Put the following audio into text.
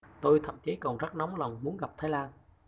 tôi thậm chí còn rất nóng lòng muốn gặp thái lan